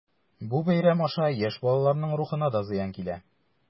Бу бәйрәм аша яшь балаларның рухына да зыян килә.